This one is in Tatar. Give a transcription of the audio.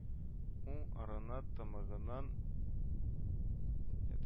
Уң арына тамагыннан